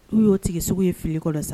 U y'o tigi segu ye fili kɔ sa